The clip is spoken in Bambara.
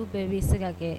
Furu bɛɛ bɛ se ka kɛ